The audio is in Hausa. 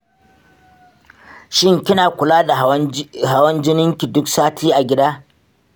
shin kina kula da hawan jininki duk sati a gida?